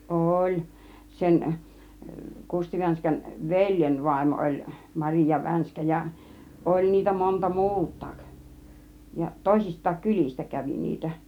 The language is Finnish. oli sen Kusti Vänskän veljen vaimo oli Maria Vänskä ja oli niitä monta muutakin ja toisistakin kylistä kävi niitä